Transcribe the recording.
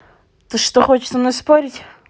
ты что хочешь со мной спорить